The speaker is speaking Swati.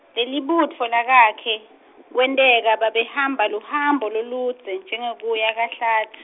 Lelibutfo lakakhe kwenteka babehamba luhambo loludze njengekuya kaHlats-.